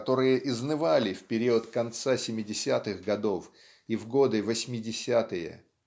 которые изнывали в период конца семидесятых годов и в годы восьмидесятые.